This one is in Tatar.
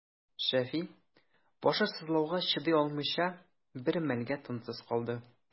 Шәфи, башы сызлауга чыдый алмыйча, бер мәлгә тынсыз калды.